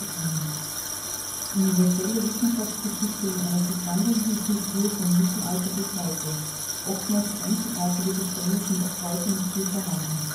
Wien: „ Universelle Wissenschaftsgeschichte in einer sich wandelnden Kultur vom Mittelalter bis heute “. Oftmals einzigartige Bestände sind auch heute noch hier vorhanden